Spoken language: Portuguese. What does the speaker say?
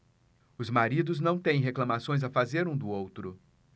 os maridos não têm reclamações a fazer um do outro